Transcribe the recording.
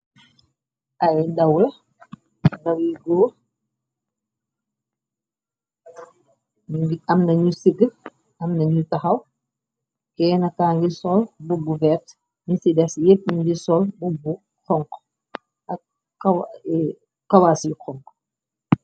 Ay dawl nawi góor i am nañu sigg am nañu taxaw keenaka ngi sol bubbu vert ni ci des yépp ngi sol ak kawasi konk.